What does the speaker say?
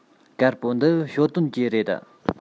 དཀར པོ འདི ཞའོ ཏོན གྱི རེད